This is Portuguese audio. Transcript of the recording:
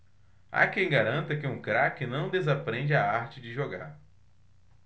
há quem garanta que um craque não desaprende a arte de jogar